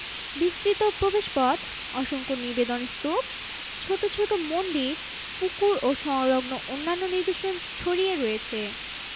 বিস্তৃত প্রবেশপথ অসংখ্য নিবেদন স্তূপ ছোট ছোট মন্দির পুকুর ও সংলগ্ন অন্যান্য নিদর্শন ছাড়িয়ে রয়েছে